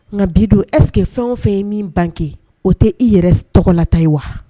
Nka bi don ɛsseke fɛn fɛn ye min bangeke o tɛ i yɛrɛ tɔgɔlata ye wa